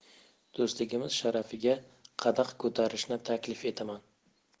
do'stligimiz sharafiga qadah ko'tarishni taklif etaman